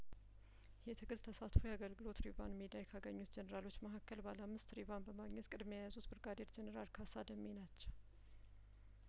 የትግል ተሳትፎ የአገልግሎት ሪቫን ሜዳይ ካገኙት ጄኔራሎች መሀከል ባለ አምስት ሪቫን በማግኘት ቅድሚ ያየያዙት ብርጋዴር ጄኔራል ካሳ ደሜ ናቸው